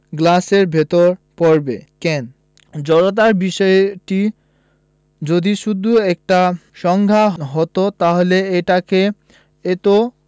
গ্লাসের ভেতর পড়বে কেন জড়তার বিষয়টি যদি শুধু একটা সংজ্ঞা হতো তাহলে এটাকে এত